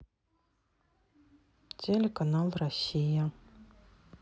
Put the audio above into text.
телеканал россия